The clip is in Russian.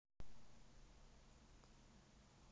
отстань уйди